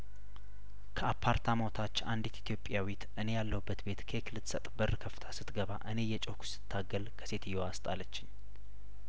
ከአፓርታማው ታች አንዲት ኢትዮጵያዊት እኔ ያለሁበት ቤት ኬክ ልትሰጥ በር ከፍታ ስትገባ እኔ እየጮህኩ ስታገል ከሴትየዋ አስጣለችኝ